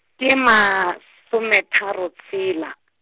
ke masome tharo tshela.